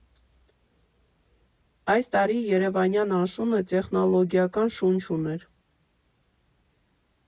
Այս տարի Երևանյան աշունը տեխնոլոգիական շունչ ուներ։